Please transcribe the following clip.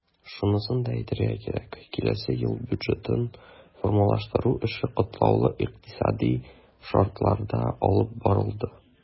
Шунысын да әйтергә кирәк, киләсе ел бюджетын формалаштыру эше катлаулы икътисадый шартларда алып барылды.